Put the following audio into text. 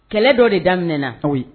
Kɛlɛ dɔ de daminɛna oui